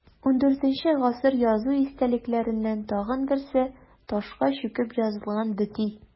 ХIV гасыр язу истәлекләреннән тагын берсе – ташка чүкеп язылган бөти.